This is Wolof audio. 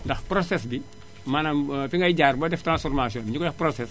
ndax process bi maamaan fi ngay jaar booy def transformation bi ñu koy wax process